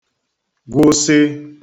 gwụsị